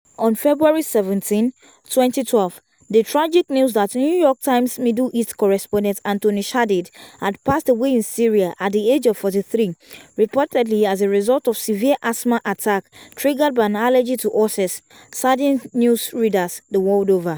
On February 17, 2012, the tragic news that New York Times Middle East Correspondent Anthony Shadid had passed away in Syria at the age of 43, reportedly as a result of a severe asthma attack triggered by an allergy to horses, saddened news readers the world over.